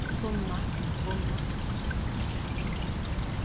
tunna og kunna